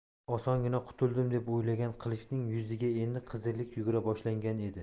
osongina qutuldim deb o'ylagan qilichning yuziga endi qizillik yugura boshlagan edi